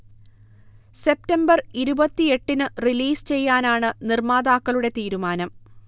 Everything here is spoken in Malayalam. സെപ്റ്റംബർ ഇരുപത്തിയെട്ടിന് റിലീസ് ചെയ്യാനാണ് നിർമ്മാതാക്കളുടെ തീരുമാനം